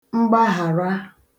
mgbahàra